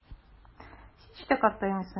Һич тә картаймыйсың.